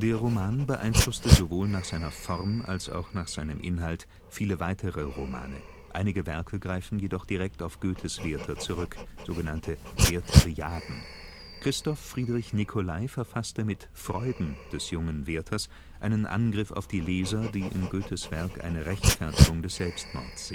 Roman beeinflusste sowohl nach seiner Form als auch nach seinem Inhalt viele weitere Romane, einige Werke greifen jedoch direkt auf Goethes Werther zurück (sog. Wertheriaden). Christoph Friedrich Nicolai verfasste mit „ Freuden des jungen Werthers “einen Angriff auf die Leser, die in Goethes Werk eine Rechtfertigung des Selbstmords